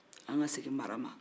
an ka segin mara ma